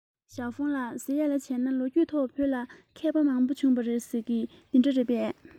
ཞའོ ཧྥུང ལགས ཟེར ཡས ལ བྱས ན ལོ རྒྱུས ཐོག བོད ལ མཁས པ མང པོ བྱུང བ རེད ཟེར གྱིས དེ འདྲ རེད པས